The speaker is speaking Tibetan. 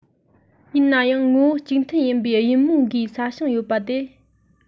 ཡིན ནའང ངོ བོ གཅིག མཐུན ཡིན པའི དབྱིན མུའུ འགའི ས ཞིང ཡོད པ དེར